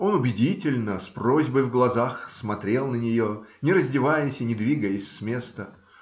Он убедительно, с просьбой в глазах смотрел на нее, не раздеваясь и не двигаясь с места.